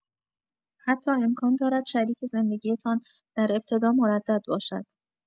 حتی امکان دارد شریک زندگی‌تان در ابتدا مردد باشد